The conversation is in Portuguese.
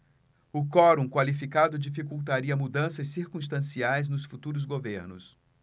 o quorum qualificado dificultaria mudanças circunstanciais nos futuros governos